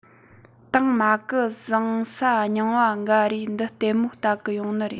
དང མ གི བཟང ས རྙིང བ འགའ རེ འདི ལྟད མོ ལྟ གི ཡོང ནི རེད